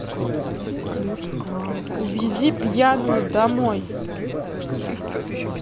увези пьяную домой